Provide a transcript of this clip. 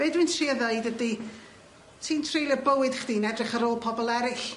Be' dwi'n trio ddeud ydi ti'n treulio bywyd chdi'n edrych ar ôl pobol eryll.